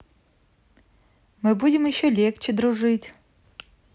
мы будем еще легче дружить